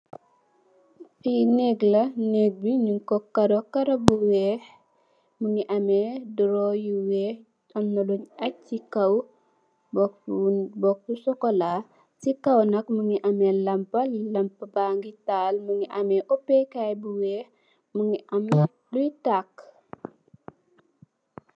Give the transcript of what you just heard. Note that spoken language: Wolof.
Fi nèeg la, nèeg bi nung ko karo, Karo bu weeh, mungi ameh duro yu weeh, amna lun ag chi kaw boku sokola. Ci kaw nak mungi ameh lampa, lampa ba ngi taal mungi ameh upèkaay bu weeh mungi am li tak.